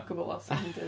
gwbod lot am Hinduism